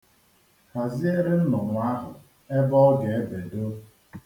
Ghaziere nnụnụ ahụ ebe ọ ga-ebedo.